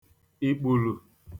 ìkpùlu